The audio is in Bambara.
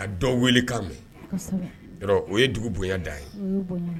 Ka dɔ weelekan mɛn , yɔrɔ o ye dugu bonya dan ye